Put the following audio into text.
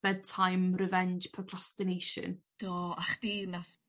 bedtime revenge procrastination. Do a chdi nath